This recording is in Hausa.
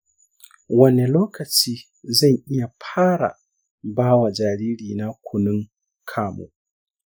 wane lokaci zan iya fara ba wa jaririna kunun kamu ?